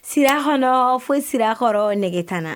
Sirakɔrɔ fo sirakɔrɔ ne nɛgɛgetaaana